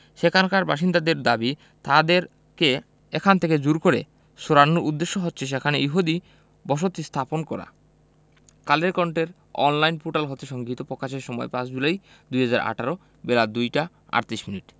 সেখানকার বাসিন্দাদের দাবি তাদেরকে এখান থেকে জোর করে সরানোর উদ্দেশ্য হচ্ছে সেখানে ইহুদি বসতি স্থাপন করা কালের কন্ঠের অনলাইন পোর্টাল হতে সংগৃহীত প্রকাশের সময় ৫ জুলাই ২০১৮ বেলা ২টা ৩৮ মিনিট